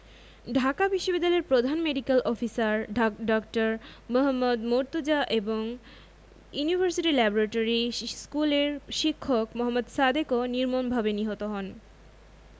ঢাকা বিশ্ববিদ্যালয়ের প্রধান medical officer ডা. মোহাম্মদ মর্তুজা এবং ইউনিভার্সিটি ল্যাবরেটরি স্কুলের শিক্ষক মোহাম্মদ সাদেকও নির্মমভাবে নিহত হন